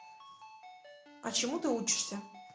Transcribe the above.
а чему ты учишься